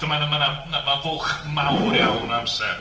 So mae 'na mae 'na... na mae'n fwlch mawr iawn amser.